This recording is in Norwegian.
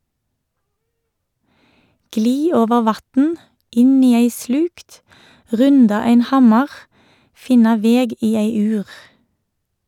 Gli over vatn , inn i ei slukt, runda ein hammar, finna veg i ei ur.